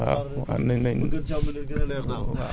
peut être mën nañoo taxaw daal